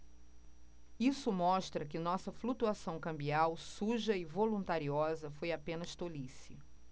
isso mostra que nossa flutuação cambial suja e voluntariosa foi apenas tolice